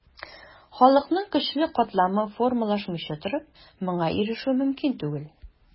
Халыкның көчле катламы формалашмыйча торып, моңа ирешү мөмкин түгел.